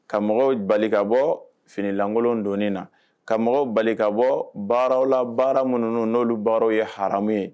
Ka mɔgɔw bali bɔ finilankolon donni na, ka mɔgɔw bali bɔ baaraw la baara minnu n'olu baaraw ye haramu ye.